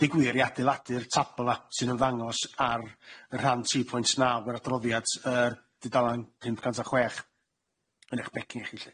Deu' gwir i adeiladu'r tabla sy'n ymddangos ar y rhan tri pwynt naw yr adroddiad y- dudalan pump cant a chwech yn eich becyn chi 'lly.